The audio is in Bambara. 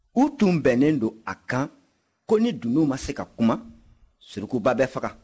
u tun bɛnnen don a kan ko ni dunun ma se ka kuma surukuba bɛ faga